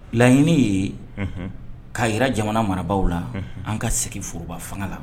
Laɲini ye k'a jira jamana marabagaw la an ka segin foroba fanga la.